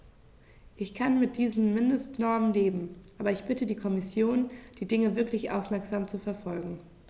Ich kann mit diesen Mindestnormen leben, aber ich bitte die Kommission, die Dinge wirklich aufmerksam zu verfolgen.